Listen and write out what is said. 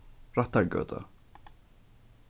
rættargøta